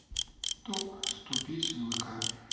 топ сто песен вк